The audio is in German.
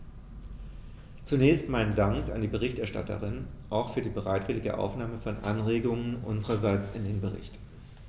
Zunächst meinen Dank an die Berichterstatterin, auch für die bereitwillige Aufnahme von Anregungen unsererseits in den Bericht.